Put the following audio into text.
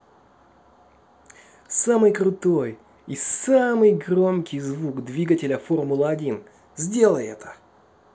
самый крутой и самый громкий звук двигателя формула один сделай это